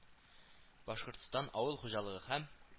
Башкортстан авыл ху алыгы һәм